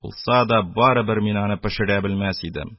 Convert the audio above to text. Булса да, барыбер мин аны пешерә белмәс идем..